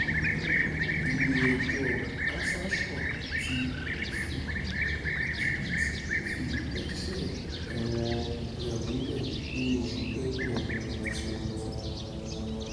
Ilé ẹjọ́ Cassation ti Íjípìtì fi ẹsẹ ẹ̀wọ̀n-ọn rẹ̀ múlẹ̀ nínú oṣù Belu ọdún 2017.